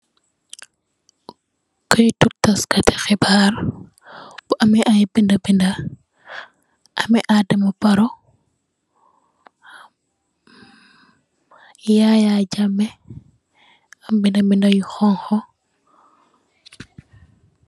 Keyti tass kaati xibaar bi ame ay binda binda am Adam Barrow Yaya Jammeh am binda binda yu xonxu.